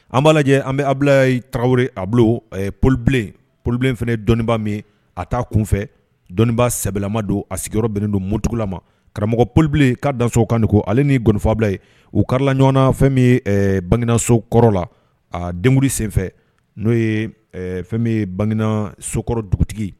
An b'a lajɛ an bɛ abu tagari a bolo polibilen polibilen fana dɔnniiba min a taa kun fɛ dɔnniiba sɛbɛnbɛlama don a sigiyɔrɔ bɛnnen don munugula ma karamɔgɔ polibilen k'a daso kan ko ale ni gfabila ye u kari ɲɔgɔnna fɛn bangegnaso kɔrɔ la a denri senfɛ n'o ye fɛn bɛ bangegina sokɔrɔ dugutigi